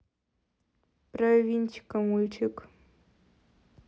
про винтика мультик